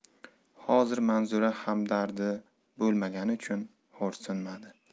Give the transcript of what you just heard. hozir manzura hamdardi bo'lmagani uchun xo'rsinmadi